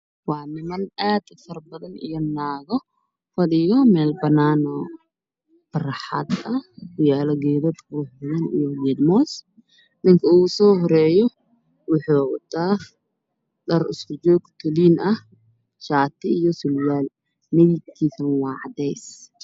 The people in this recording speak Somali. Waxaa ii muuqda geed ay hoos fadhiyaan niman iyo naago naagaha waxay wataan indhas reer geed ka midabkiisu waa cagaar waana waana geed moos